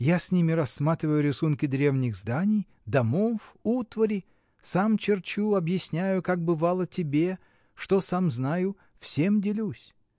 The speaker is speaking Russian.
Я с ними рассматриваю рисунки древних зданий, домов, утвари, — сам черчу, объясняю, как, бывало, тебе: что сам знаю, всем делюсь.